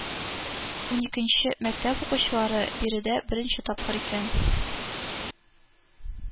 Уникенче мәктәп укучылары биредә беренче тапкыр икән